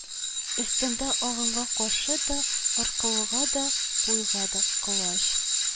Өстендә агымга каршы да, аркылыга да, буйга да колач